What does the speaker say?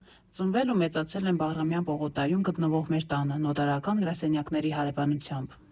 Ծնվել ու մեծացել եմ Բաղրամյան պողոտայում գտնվող մեր տանը՝ նոտարական գրասենյակների հարևանությամբ։